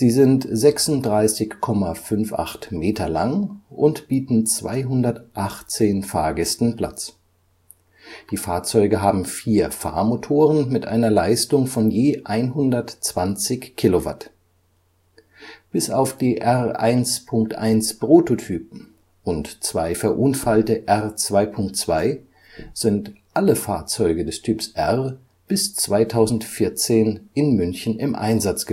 sind 36,58 Meter lang und bieten 218 Fahrgästen Platz. Die Fahrzeuge haben vier Fahrmotoren mit einer Leistung von je 120 Kilowatt. Bis auf die R-1.1-Prototypen und zwei verunfallte R 2.2 sind alle Fahrzeuge des Typs R bis heute (Stand: 2014) in München im Einsatz